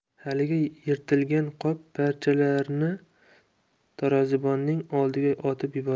haligi yirtilgan qop parchalarini tarozibonning oldiga otib yubordi